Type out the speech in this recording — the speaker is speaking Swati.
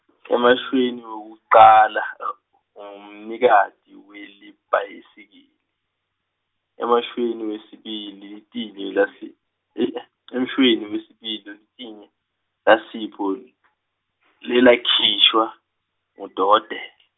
emshweni wekucala ungumnikati welibhayisikili, emshweni wesibili litinyo laSi- , emshweni wesibili litinyo laSipho l- lelakhishwa ngudokodela.